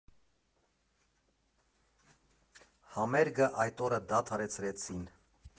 Համերգը այդ օրը դադարեցրեցին։